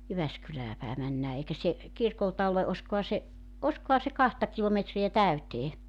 Jyväskylään päin mennään eikä se kirkolta ole olisikohan se olisikohan se kahta kilometriä täyteen